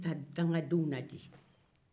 taa dangadenw ladi